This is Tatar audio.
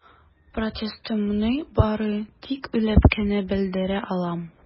Протестымны бары тик үлеп кенә белдерә алам.